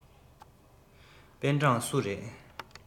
པེན ཀྲང སུ རེད